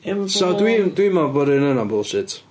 So dwi'n, dwi'n meddwl bod yr un yna'n bullshit.